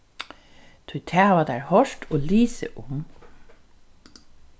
tí tað hava teir hoyrt og lisið um